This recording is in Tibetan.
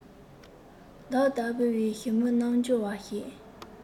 བདག ལྟ བུའི ཞི མི རྣལ འབྱོར བ ཞིག